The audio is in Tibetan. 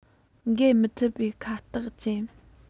འགོད མི ཐིབ པའི ཁ རྟགས ཅན